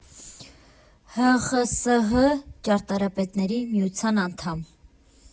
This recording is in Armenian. , ՀԽՍՀ ճարտարապետների միության անդամ։